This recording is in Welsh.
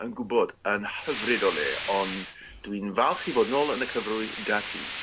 yn gwbod yn hyfryd o le ond dwi'n falch i fod nôl yn y cyfrwy 'da ti.